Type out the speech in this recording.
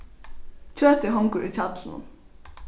kjøtið hongur í hjallinum